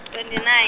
twenty nine.